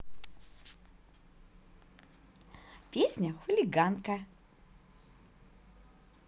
песня хулиганка